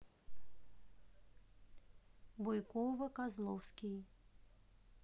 бойкова козловский